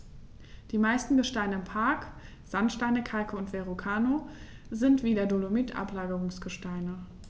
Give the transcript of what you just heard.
Die meisten Gesteine im Park – Sandsteine, Kalke und Verrucano – sind wie der Dolomit Ablagerungsgesteine.